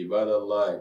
I b'ada la